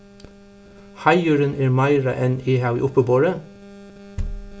heiðurin er meira enn eg havi uppiborið